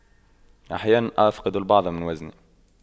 أحيانا أفقد البعض من وزني